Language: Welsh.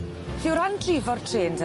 'Lly o ran drifo'r trên te...